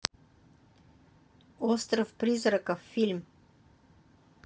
остров призраков фильм